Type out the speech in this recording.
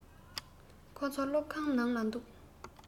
ཁོ ཚོ སློབ ཁང ནང ལ འདུག